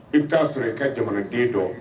I bɛ t taaa sɔrɔ i ka jamana den dɔn